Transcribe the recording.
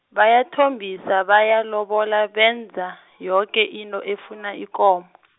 bayathombisa bayalobola benza, yoke into efuna ikomo .